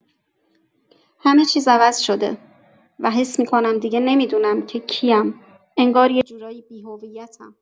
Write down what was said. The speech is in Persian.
همه چیز عوض شده و حس می‌کنم دیگه نمی‌دونم که کی‌ام، انگار یه جورایی بی‌هویتم.